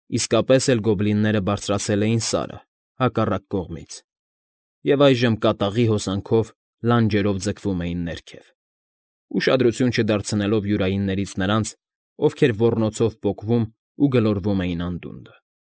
Իսկապես էլ գոբլինները բարձրացել էին Սարը հակառակ կողմից և այժմ կատաղի հոսանքով լանջերով ձգվում էին ներքև. ուշադրություն չդարձնելով յուրայիններից նրանց , ովքեր ոռնոցով պոկվում ու գլորվում էին անդունդը։